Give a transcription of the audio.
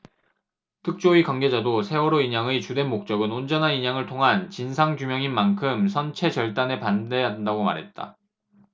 특조위 관계자도 세월호 인양의 주된 목적은 온전한 인양을 통한 진상규명인 만큼 선체 절단에 반대한다고 말했다